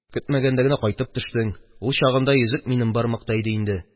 Көтмәгәндә генә кайтып төштең, ул чагында йөзек минем бармакта иде инде.